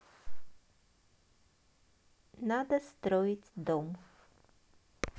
надо строить дом